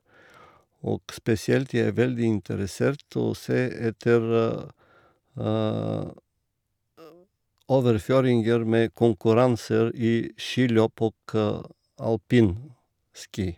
Og spesielt jeg er veldig interessert å se etter overføringer med konkurranser i skiløp og alpinski.